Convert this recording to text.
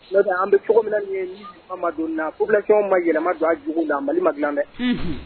No an bɛ cogo min madon ko bilaw ma yɛlɛmama don a jugu la a mali ma dila dɛ